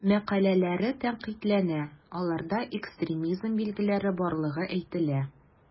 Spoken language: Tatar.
Мәкаләләре тәнкыйтьләнә, аларда экстремизм билгеләре барлыгы әйтелә.